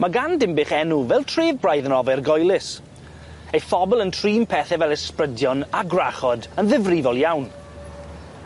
Ma' gan Dinbych enw fel tref braidd yn ofergoelus, ei phobol yn trin pethe fel ysbrydion a gwrachod yn ddifrifol iawn.